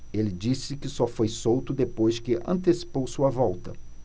ele disse que só foi solto depois que antecipou sua volta